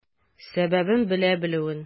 Сәбәбен белә белүен.